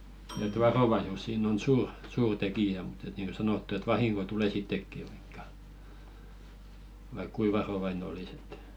että varovaisuus siinä on suuri suuri tekijä mutta että niin kuin sanottu että vahinko tulee sittenkin vaikka vaikka kuinka varovainen olisi että